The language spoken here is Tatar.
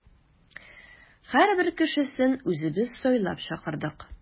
Һәрбер кешесен үзебез сайлап чакырдык.